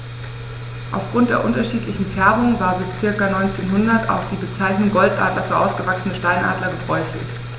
Auf Grund der unterschiedlichen Färbung war bis ca. 1900 auch die Bezeichnung Goldadler für ausgewachsene Steinadler gebräuchlich.